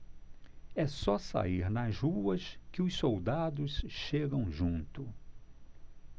é só sair nas ruas que os soldados chegam junto